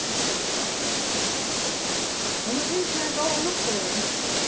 hon hevur fingið sær ein góðan løgfrøðing